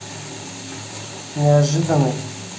неожиданный